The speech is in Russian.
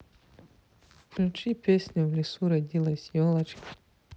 включи песню в лесу родилась елочка